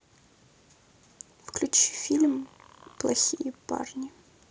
включи фильм плохие парни